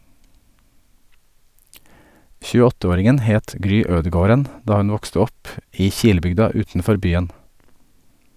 28-åringen het Gry Ødegaarden da hun vokste opp i Kilebygda utenfor byen.